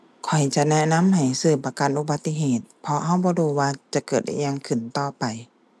ข้อยจะแนะนำให้ซื้อประกันอุบัติเหตุ เพราะเราบ่รู้ว่าจะเกิดอิหยังขึ้นต่อไป